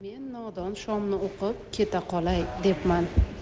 men nodon shomni o'qib keta qolay debman